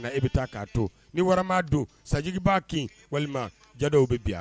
E bɛ k'a to ni walima don sanji b'a kin walima jaw bɛ bi